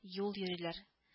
Юл йөриләр